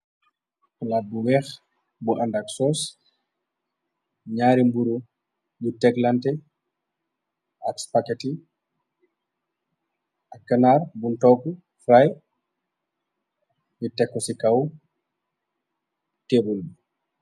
Plaat bu weex bu andak soos, ñaari mburu yu teklante, ak spaketi ak ganaar buñ toggu faray, yu tekk ko ci kawt tébul bi.